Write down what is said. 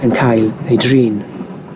yn cael ei drin.